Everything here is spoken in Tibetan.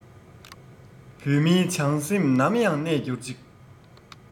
བོད མིའི བྱང སེམས ནམ ཡང གནས འགྱུར ཅིག